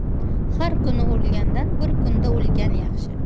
har kuni o'lgandan bir kunda o'lgan yaxshi